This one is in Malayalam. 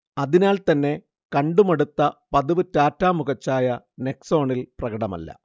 അതിനാൽതന്നെ കണ്ടുമടുത്ത പതിവ് ടാറ്റ മുഖഛായ നെക്സോണിൽ പ്രകടമല്ല